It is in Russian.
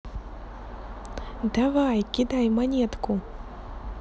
давай кидай монетку